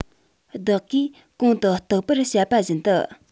བདག གིས གོང དུ རྟག པར བཤད པ བཞིན དུ